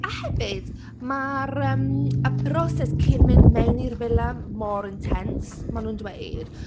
A hefyd, mae’r yym y broses cyn mynd mewn i’r villa mor intense, maen nhw’n dweud.